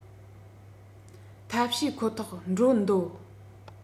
ཐབས ཤེས ཁོ ཐག འགྲོ འདོད